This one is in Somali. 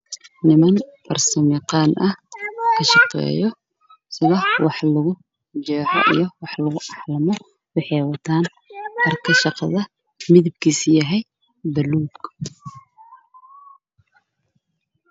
Waa niman farsamo yaqaan wataan dhar buluug